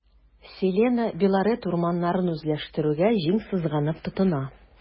“селена” белорет урманнарын үзләштерүгә җиң сызганып тотына.